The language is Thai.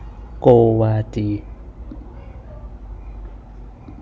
โกวาจี